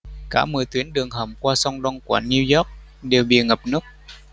cả mười tuyến đường hầm qua sông đông của new york đều bị ngập nước